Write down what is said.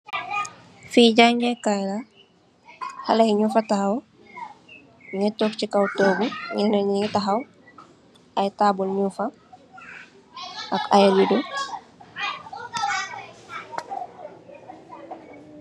Fii jaangeh kaii la, haleh yi njung fa takhaw, njeh tok cii kaw tohgu, njenen njii njungy takhaw, aiiy taabul njung fa ak aiiy ridoh.